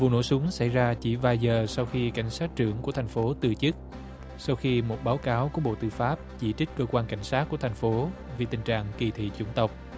vụ nổ súng xảy ra chỉ vài giờ sau khi cảnh sát trưởng của thành phố từ chức sau khi một báo cáo của bộ tư pháp chỉ trích cơ quan cảnh sát của thành phố vì tình trạng kỳ thị chủng tộc